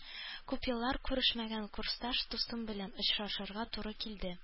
Күп еллар күрешмәгән курсташ дустым белән очрашырга туры килде